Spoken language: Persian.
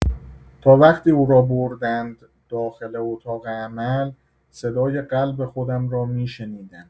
تا وقتی او را بردند داخل اتاق عمل، صدای قلب خودم را می‌شنیدم.